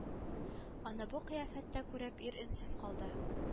Аны бу кыяфәттә күреп ир өнсез калды